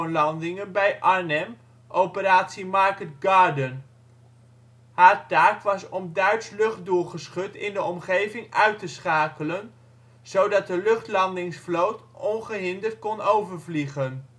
landingen bij Arnhem (operatie Market Garden). Haar taak was om Duits luchtdoelgeschut in de omgeving uit te schakelen, zodat de luchtlandingsvloot ongehinderd kon overvliegen